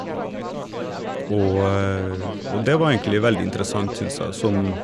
og Og det var egentlig veldig interessant, synes jeg, som...